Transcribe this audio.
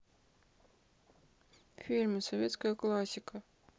фильмы советская классика